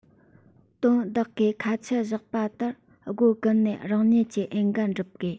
དོ བདག གིས ཁ ཆད བཞག པ ལྟར སྒོ ཀུན ནས རང ཉིད ཀྱི འོས འགན བསྒྲུབ དགོས